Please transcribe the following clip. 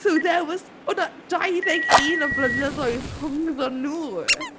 So there was oedd 'na dau ddeg un o flynyddoedd rhyngddon nhw.